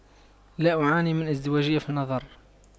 لا أعاني من ازدواجية في النظر